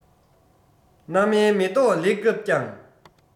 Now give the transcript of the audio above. སྣ མའི མེ ཏོག ལེགས བཀབ ཀྱང